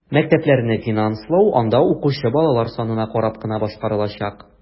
Мәктәпләрне финанслау анда укучы балалар санына карап кына башкарылачак.